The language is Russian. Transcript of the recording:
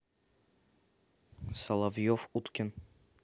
соловьев уткин